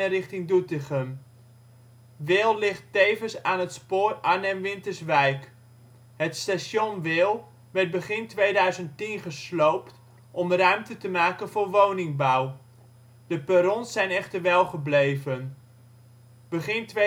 richting Doetinchem. Wehl ligt tevens aan de spoorlijn Arnhem - Winterswijk. Het station Wehl werd begin 2010 gesloopt om ruimte te maken voor woningbouw. De perrons zijn echter wel gebleven. Begin